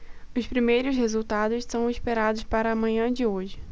os primeiros resultados são esperados para a manhã de hoje